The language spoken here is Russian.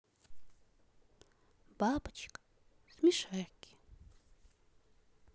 бабочка смешарики